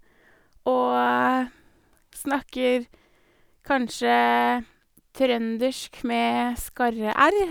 Og snakker kanskje trøndersk med skarre-r.